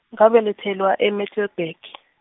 ngabelethelwa e- Middelburg .